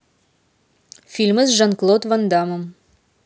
фильмы с жан клод ван дамом